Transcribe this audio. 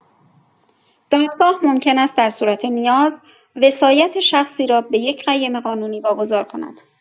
دادگاه ممکن است در صورت نیاز، وصایت شخصی را به یک قیم قانونی واگذار کند.